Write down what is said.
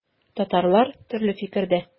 Татарлар төрле фикердә.